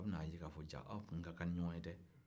jaa aw tun ka kan ni ɲɔgɔn ye dɛ